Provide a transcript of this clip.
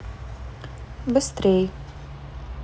быстрей